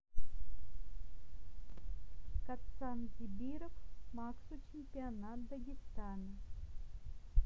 catsan дибиров максу чемпионат дагестана